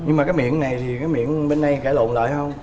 nhưng mà cái miệng này thì cái miêng bên đây cãi lộn lại không